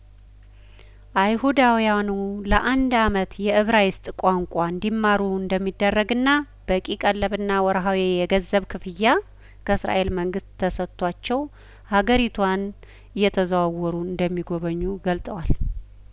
አይሁዳውያኑ ለአንድ አመት የእብራይስጥ ቋንቋ እንዲማሩ እንደሚደረግና በቂ ቀለብና ወርሀዊ የገንዘብ ክፍያ ከእስራኤል መንግስት ተሰጥቷቸው ሀገሪቷን እየተዘዋወሩ እንደሚጐበኙ ገልጠዋል